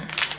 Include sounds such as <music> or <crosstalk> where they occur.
<hesitation> <hesitation>